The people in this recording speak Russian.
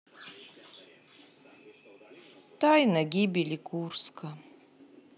тайна гибели курска